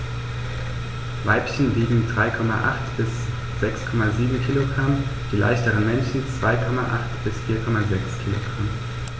Weibchen wiegen 3,8 bis 6,7 kg, die leichteren Männchen 2,8 bis 4,6 kg.